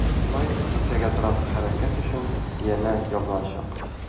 Шулай итеп иртәгә трасса хәрәкәт өчен янә ябылачак.